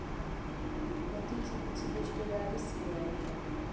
а ты типа тебе что ли алиса говорила